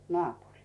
naapuriin